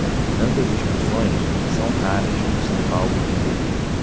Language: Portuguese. tantas expulsões são raras no são paulo de telê